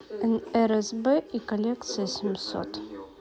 нрзб и коллекция и семьсот